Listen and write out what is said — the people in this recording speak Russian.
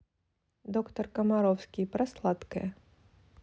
доктор комаровский про сладкое